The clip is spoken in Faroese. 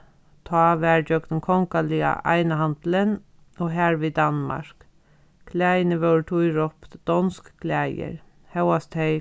tá var gjøgnum kongaliga einahandilin og harvið danmark klæðini vórðu tí rópt donsk klæðir hóast tey